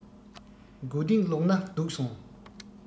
མགོ རྟིང ལོག ན སྡུག སོང